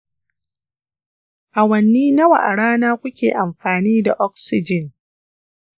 awanni nawa a rana kuke amfani da oxygen?